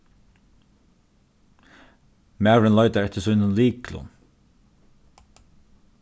maðurin leitar eftir sínum lyklum